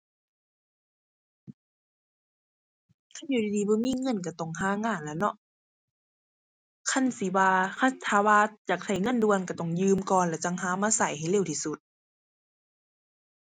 คันอยู่ดีดีบ่มีเงินก็ต้องหางานล่ะเนาะ คันสิว่า คันถ้าว่าอยากก็เงินด่วนก็ต้องยืมก่อนแล้วจั่งหามาก็ให้เร็วที่สุด